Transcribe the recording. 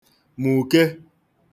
mùke